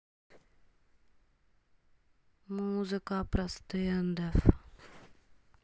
музыка про стендов